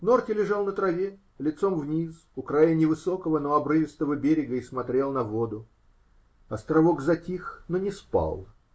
Норти лежал на траве, лицом вниз, у края невысокого, но обрывистого берега и смотрел на воду. Островок затих, но не спал.